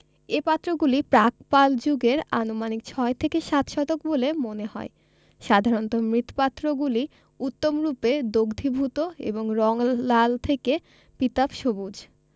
এ পাত্রগুলি প্রাক পাল যুগের আনুমানিক ছয় থেকে সাত শতক বলে মনে হয় সাধারণত মৃৎপাত্রগুলি উত্তমরূপে দগ্ধীভূত এবং রং লাল থেকে পীতাভ সবুজ